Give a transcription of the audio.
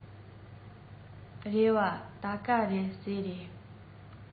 རེ བ ད ག ཟེ རེད